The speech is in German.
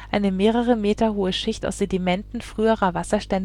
eine mehrere Meter hohe Schicht aus Sedimenten früherer Wasserstände